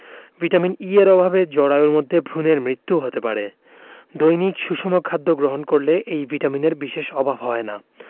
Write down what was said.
vitamin E এর অভাবে জরায়ুর মধ্যে ভ্রুনের মৃত্যুও হতে পারে দৈনিক সুষম খাদ্য গ্রহণ করলে এই ভিটামিনের বিশেষ অভাব হয় না